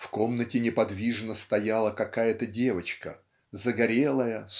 В комнате неподвижно стояла какая-то девочка загорелая